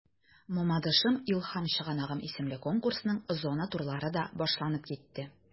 “мамадышым–илһам чыганагым” исемле конкурсның зона турлары да башланып китте.